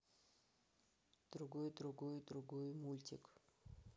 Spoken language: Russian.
другой другой другой мультик